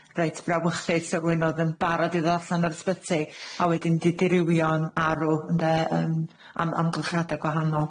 reit frawychus o rywun o'dd yn barod i ddod allan o'r sbyty a wedyn 'di dirywio'n arw, ynde? Yym am amgylchiade gwahanol.